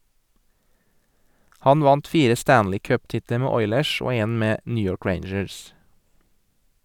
Han vant fire Stanley Cup-titler med Oilers, og en med New York Rangers.